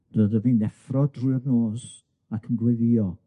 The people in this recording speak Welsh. Rydyf fi'n effro drwy'r nos ac yn gweddio.